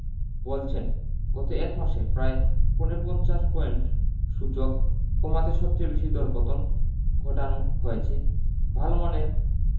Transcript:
বলছেন গত এক মাসে প্রায় পৌনে ৫০ পয়েন্ট সূচক কমাতে সবচেয়ে বেশি দরপতন ঘটানো হয়েছে ভালো মানের